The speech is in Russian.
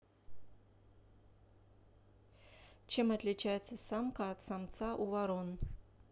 чем отличается самка от самца у ворон